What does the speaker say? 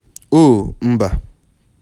Oh, mba.